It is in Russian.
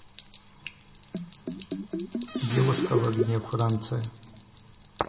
девушка в огне франция